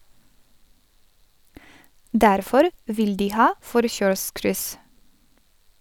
Derfor vil de ha forkjørskryss.